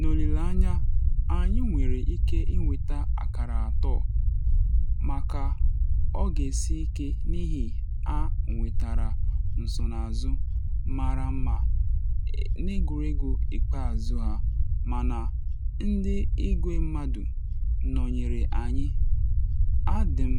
N’olile anya, anyị nwere ike ịnweta akara atọ mana ọ ga-esi ike n’ihi ha nwetara nsonaazụ mara mma n’egwuregwu ikpeazụ ha mana, ndị igwe mmadụ nọnyere anyị, adị m